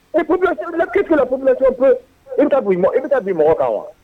I ke ku i ka bon ma i bɛ taa bi mɔgɔw kan wa